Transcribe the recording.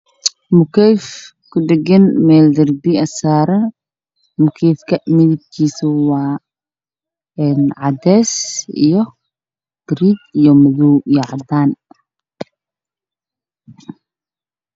Waa mukeyf kudhagan darbi midabkiisu waa cadeys, garee, madow iyo cadaan ah.